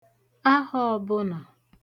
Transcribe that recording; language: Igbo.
ahọ̀ ọ̀bụnà